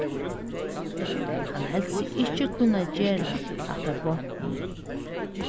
hann helt seg ikki kunna gera hatta beint nú